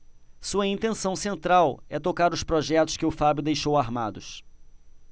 sua intenção central é tocar os projetos que o fábio deixou armados